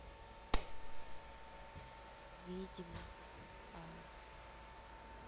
видимо а